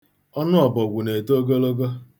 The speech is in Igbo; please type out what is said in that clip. Ọnụ ọbọgwụ na-eto ogologo.